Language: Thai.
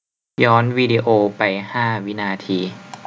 ย้อนวีดีโอไปห้าวินาที